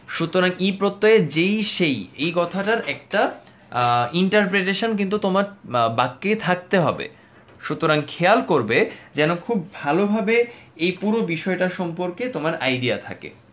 সুতরাং ই প্রত্যয় যেই সেই এই কথাটার একটা ইন্টারপ্রিটেশন তোমার বাক্যে থাকতে হবে সুতরাং খেয়াল করবে যেন খুব ভালো ভাবে এই পুরো বিষয়টা সম্পর্কে তোমার আইডিয়া থাকে